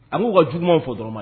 An b'u ka jugumanw fɔ dɔrɔnma